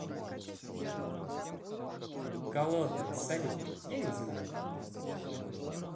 голодный салют я не знаю